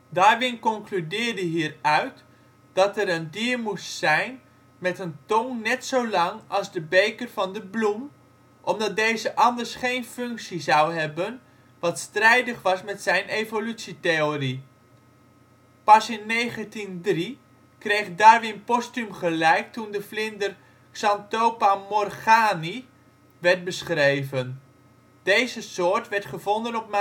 Darwin concludeerde hieruit dat er een dier moest zijn met een tong net zolang als de beker van de bloem, omdat deze anders geen functie zou hebben wat strijdig was met zijn evolutietheorie. Pas in 1903 kreeg Darwin postuum gelijk toen de vlinder Xanthopan morgani werd beschreven. Deze soort werd gevonden op Madagaskar